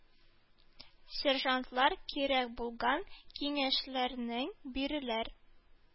Сержантлар кирәк булган киңәшләрне бирәләр.